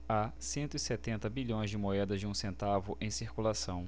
há cento e setenta bilhões de moedas de um centavo em circulação